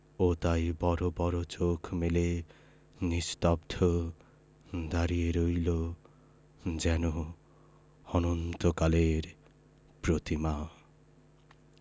ও তাই বড় বড় চোখ মেলে নিস্তব্ধ দাঁড়িয়ে রইল যেন অনন্তকালের প্রতিমা